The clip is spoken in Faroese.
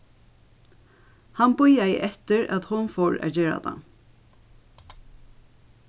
hann bíðaði eftir at hon fór at gera tað